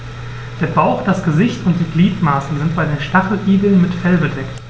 Der Bauch, das Gesicht und die Gliedmaßen sind bei den Stacheligeln mit Fell bedeckt.